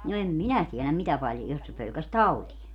no en minä tiedä mitä paljon jos se pelkäsi tauteja